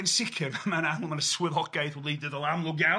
yn sicr ma na swyddogaeth wleidyddol amlwg iawn